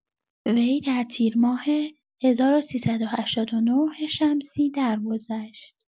وی در تیر ماه ۱۳۸۹ شمسی درگذشت.